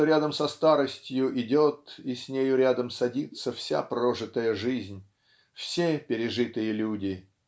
что рядом со старостью идет и с нею рядом садится вся прожитая жизнь все пережитые люди.